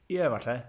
Ie, falle.